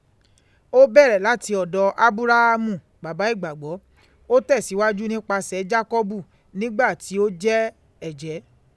Ó bẹ̀rẹ̀ láti ọ̀dọ̀ Ábúráhámù, baba ìgbàgbọ́, ó tẹ̀síwájú nípasẹ̀ Jákọ́bù nígbà tí' ó jẹ́ ẹ̀jẹ́